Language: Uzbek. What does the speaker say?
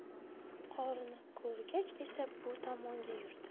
qorini ko'rgach esa bu tomonga yurdi